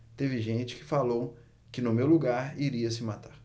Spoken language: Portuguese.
teve gente que falou que no meu lugar iria se matar